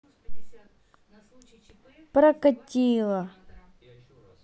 прокатило